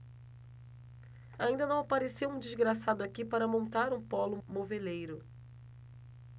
ainda não apareceu um desgraçado aqui para montar um pólo moveleiro